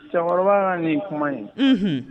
Cɛkɔrɔba nana nin kuma ye